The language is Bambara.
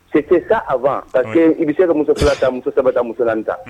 C'était ça avant oui parce que i bɛ se ka muso 2 ta muso 3 ta muso 4 ta